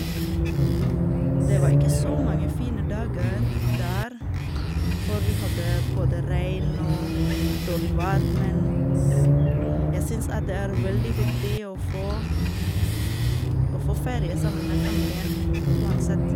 Det var ikke så mange fine dager der, for vi hadde både regn og dårlig vær, men jeg synes at det er veldig viktig å få å få ferie sammen med familien uansett.